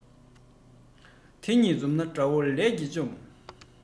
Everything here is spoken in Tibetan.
དེ གཉིས འཛོམས ན དགྲ བོ ལས ཀྱིས འཇོམས